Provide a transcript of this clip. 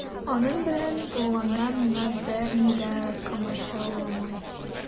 Аның белән булганда миңа берни дә комачауламый.